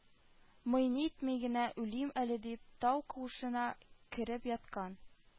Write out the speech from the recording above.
Мый-нитми генә үлим әле дип, тау куышына кереп яткан